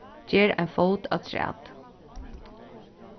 ger ein fót afturat